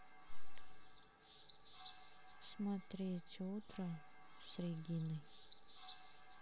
смотреть утро с региной